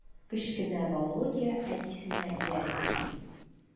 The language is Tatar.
Кечкенә Володя әтисенә ияреп йөри.